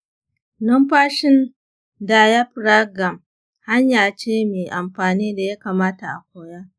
numfashin diaphragm hanya ce mai amfani da ya kamata a koya.